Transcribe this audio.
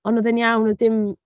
Ond oedd e'n iawn, oedd dim...